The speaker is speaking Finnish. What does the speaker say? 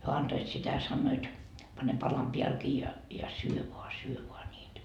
he antoivat sitä sanoivat pane palan päällekin ja ja syö vain syö vain niitä